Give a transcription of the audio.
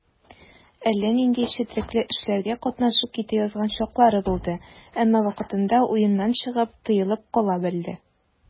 Әллә нинди четрекле эшләргә катнашып китә язган чаклары булды, әмма вакытында уеннан чыгып, тыелып кала белде.